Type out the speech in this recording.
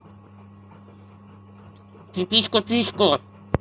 пиписька писька